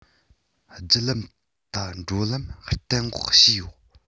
རྒྱུ ལམ ད བགྲོད ལམ གཏན འགོག བྱས ཡོད